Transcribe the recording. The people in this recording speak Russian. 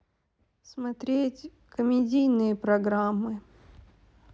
смотреть комедийные программы